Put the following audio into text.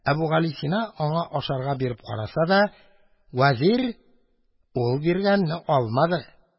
Әбүгалисина аңа ашарга биреп караса да, вәзир ул биргәнне алмады.